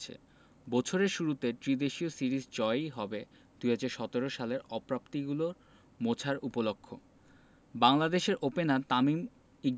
বাংলাদেশও এবার নিজেদের ফেবারিট ভাবছে বছরের শুরুতে ত্রিদেশীয় সিরিজ জয়ই হবে ২০১৭ সালের অপ্রাপ্তিগুলো মোছার উপলক্ষও